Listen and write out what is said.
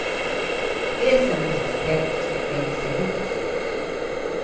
esse é um dos aspectos que têm que ser revistos